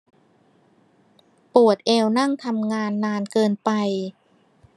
ปวดเอวนั่งทำงานนานเกินไป